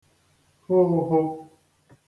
hụ ụ̄hụ̄